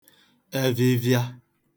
ẹfhịfhịa